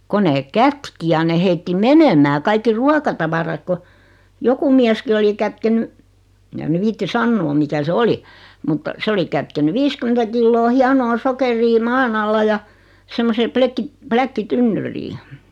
kun ne kätki ja ne heitti menemään kaikki ruokatavarat kun joku mieskin oli kätkenyt enkä minä viitsi sanoa mikä se oli mutta se oli kätkenyt viisikymmentä kiloa hienoa sokeria maan alla ja semmoiseen - pläkkitynnyriin